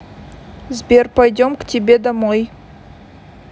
сбер пойдем к тебе домой